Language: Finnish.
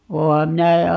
olenhan minä